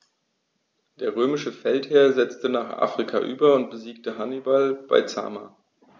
Der römische Feldherr setzte nach Afrika über und besiegte Hannibal bei Zama.